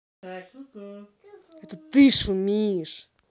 это ты шумишь